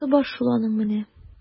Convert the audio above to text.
Шунысы бар шул аның менә! ..